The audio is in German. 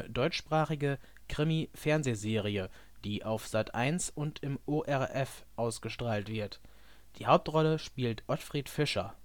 deutschsprachige Krimi-Fernsehserie, die auf SAT.1 und im ORF ausgestrahlt wird. Die Hauptrolle spielt Ottfried Fischer